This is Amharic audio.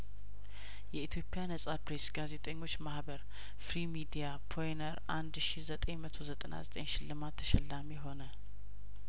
የኢትዮጵያ ነጻ ፐሬ ዝስ ጋዜጠኞች ማህበር ፍሪ ሚዲያፖ ይነር አንድ ሺ ዘጠኝ መቶ ዘጠና ዘጠኝ ሽልማት ተሸላሚ ሆነ